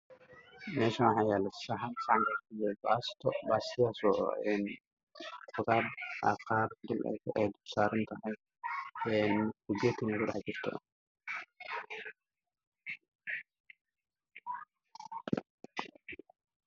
Halkaan waxaa ka muuqdo saxan cad oo uu ku jiro baasto dhaadheer iyo fargeetada baastada lagu cuno iyo qudaar ah